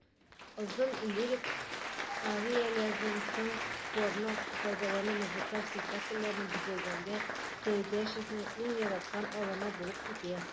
Озын лирик арияләрдән соң хорны файдалану музыкаль спектакльләрне бизәгәндә Сәйдәшевнең иң яраткан алымы булып китә.